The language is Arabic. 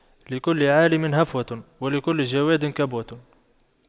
لكل عالِمٍ هفوة ولكل جَوَادٍ كبوة